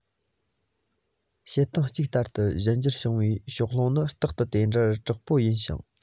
བྱེད སྟངས གཅིག ལྟར ཏུ གཞན འགྱུར བྱུང བའི ཕྱོགས ལྷུང ནི རྟག ཏུ དེ འདྲ དྲག པོ ཡིན ཞིང